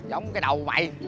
giống cái đầu mày